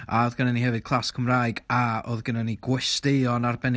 A oedd gynnon ni hefyd class Cymraeg, a oedd gynnon ni gwesteion arbennig.